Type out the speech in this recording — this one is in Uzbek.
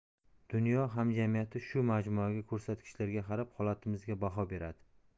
dunyo hamjamiyati shu majmuaga ko'rsatkichlarga qarab holatimizga baho beradi